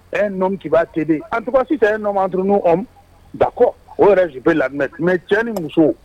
E n nɔ kibaba kelen an tɔgɔsi tɛ e nɔmadun ba kɔ o yɛrɛurp lainɛ kɛmɛ bɛ cɛ ni muso